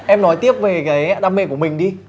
em nói tiếp về cái đam mê của mình đi